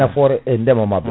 nafoore e ndeema mabɓɓe